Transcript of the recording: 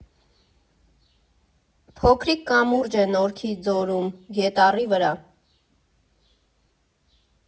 Փոքրիկ կամուրջ է Նորքի ձորում, Գետառի վրա։